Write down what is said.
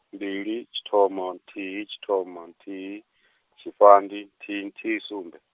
mbili tshithoma, nthihi tshithoma nthihi, tshifhandi, nthihi nthihi sumbe.